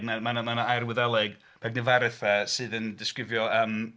Mae... mae 'na... mae 'na air Wyddeleg, , sydd yn disgrifio yym...